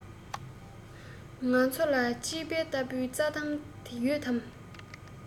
ང ཚོ ལ དཔྱིད དཔལ ལྟ བུའི རྩ ཐང དེ ཡོད དམ